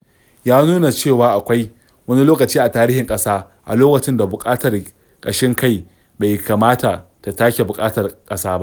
Ya nuna cewa akwai "wani lokaci a tarihin ƙasa a lokacin da buƙatar ƙashin kai bai kamata ta take buƙatar ƙasa ba".